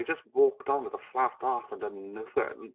He just walked on with a flat arse and done nothin'.